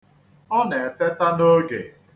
Ọ na-eteta n'oge.